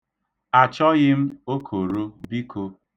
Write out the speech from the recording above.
Achọghị m okoro, biko!